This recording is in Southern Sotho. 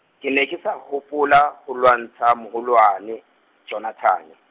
ke ne ke sa hopola ho lwantsha moholwane, Jonathane.